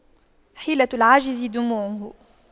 حيلة العاجز دموعه